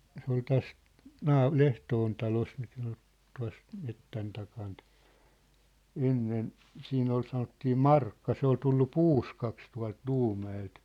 se oli tässä - Lehtoon talossa mikä on tuossa metsän takaa ennen siinä oli sanottiin Markka se oli tullut puuskaksi tuolta Luumäeltä